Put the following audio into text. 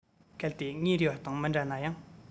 གལ ཏེ ངའི རེ བ དང མི འདྲ ན ཡང